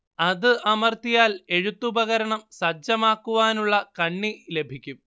അത് അമർത്തിയാൽ എഴുത്തുപകരണം സജ്ജമാക്കുവാനുള്ള കണ്ണി ലഭിക്കും